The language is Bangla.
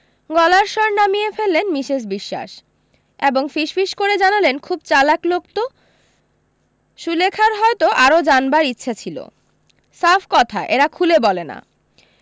গলার স্বর নামিয়ে ফেললেন মিসেস বিশোয়াস এবং ফিসফিস করে জানালেন খুব চালাক লোক তো সুলেখার হয়তো আরো জানবার ইচ্ছা ছিল সাফ কথা এরা খুলে বলে না